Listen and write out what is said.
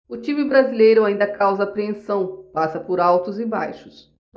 o time brasileiro ainda causa apreensão passa por altos e baixos